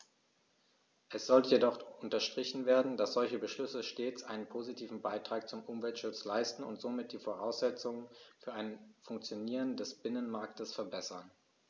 Es sollte jedoch unterstrichen werden, dass solche Beschlüsse stets einen positiven Beitrag zum Umweltschutz leisten und somit die Voraussetzungen für ein Funktionieren des Binnenmarktes verbessern.